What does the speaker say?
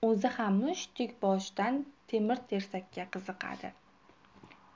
o'zi ham mushtdek boshidan temir tersakka qiziqadi